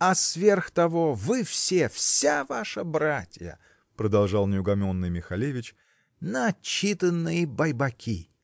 -- А сверх того, вы все, вся ваша братия, -- продолжал неугомонный Михалевич, -- начитанные байбаки.